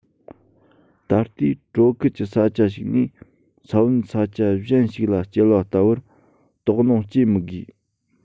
ད ལྟའི དྲོ ཁུལ གྱི ས ཆ ཞིག ནས ས བོན ས ཆ གཞན ཞིག ལ སྐྱེལ བ ལྟ བུར དོགས སྣང སྐྱེ མི དགོས